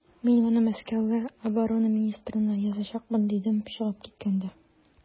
Мин моны Мәскәүгә оборона министрына язачакмын, дидем чыгып киткәндә.